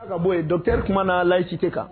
Ka bɔ yen dɔnri tumaumana na layi ci tɛ kan